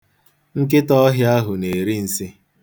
Nkịtaọhịa ahụ na-eri nsị.